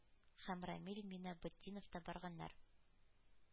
Һәм рамил минабетдинов та барганнар.